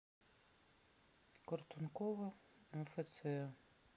картункова мфц